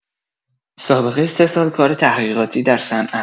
سابقه ۳ سال کار تحقیقاتی در صنعت